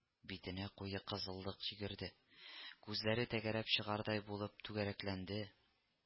Битенә куе кызыллык йөгерде, күзләре тәгәрәп чыгардай булып түгәрәкләнде